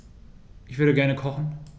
Ich würde gerne kochen.